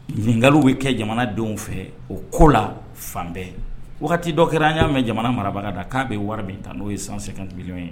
Ɲininkakaliw bɛ kɛ jamanadenw fɛ o ko la fan bɛɛ wakati dɔ kɛra n an y'a mɛn jamana marabaga da k'a bɛ wara min ta n'o ye san santibiɲɔgɔn